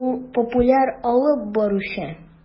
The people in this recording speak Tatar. Ул - популяр алып баручы.